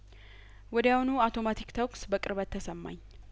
ወዲያውኑ አውቶማቲክ ተኩስ በቅርበት ተሰማኝ